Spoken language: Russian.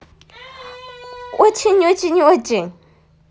очень очень очень